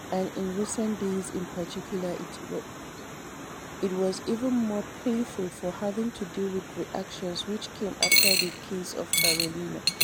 And in recent days, in particular, it was even more painful for having to deal with the reactions which came after the case of Carolina...